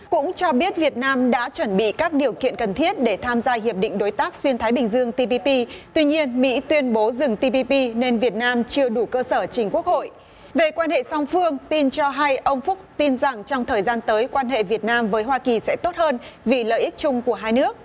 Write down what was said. cũng cho biết việt nam đã chuẩn bị các điều kiện cần thiết để tham gia hiệp định đối tác xuyên thái bình dương ti pi pi tuy nhiên mỹ tuyên bố dừng ti pi pi nên việt nam chưa đủ cơ sở trình quốc hội về quan hệ song phương tin cho hay ông phúc tin rằng trong thời gian tới quan hệ việt nam với hoa kỳ sẽ tốt hơn vì lợi ích chung của hai nước